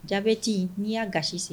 Ja ci n'i y'a gasi sen